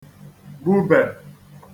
gbubè